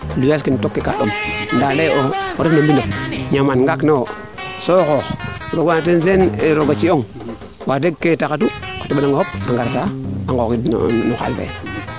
loyer as ke toke kaa ɗom nda andaaye probleme refe men ñaama ngaak ne wo so xoox rooga ciyong wax deg kene taxatu xa teɓanongaxe fop a ngar ka a ngooxiid no xaal fe